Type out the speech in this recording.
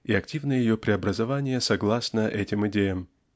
и активное ее преобразование согласно этим идеям.